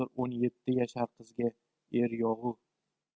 yashar qizga er yo'g'u